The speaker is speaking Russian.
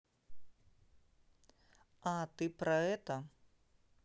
а ты про это